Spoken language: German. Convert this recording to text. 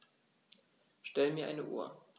Stell mir eine Uhr.